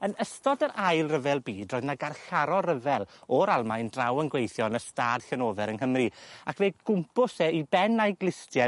Yn ystod yr ail ryfel byd roedd 'na garcharor ryfel o'r Almaen draw yn gweithio yn Ystâd Llanofer yng Nghymru. Ac fe gwmpws e 'i ben a'i glustie